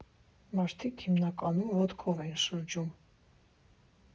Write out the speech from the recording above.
Մարդիկ հիմնականում ոտքով են շրջում։